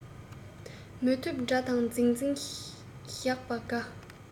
མི ཐུབ དགྲ དང འཛིང འཛིང བཞག པ དགའ